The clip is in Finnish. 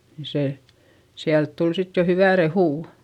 niin se sieltä tuli sitten jo hyvää rehua